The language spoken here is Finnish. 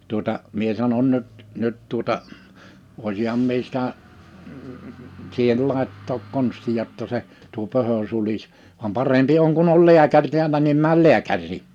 tuota minä sanon nyt nyt tuota olisinhan minä sitä siihen laittaa konstia jotta se tuo pöhö sulaisi vaan parempi on kun on lääkäri täällä niin mene lääkäriin